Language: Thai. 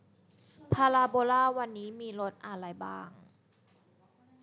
พาราโบลาวันนี้มีรสอะไร